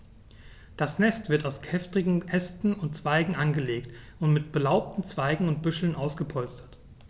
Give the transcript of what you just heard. Das Nest wird aus kräftigen Ästen und Zweigen angelegt und mit belaubten Zweigen und Büscheln ausgepolstert.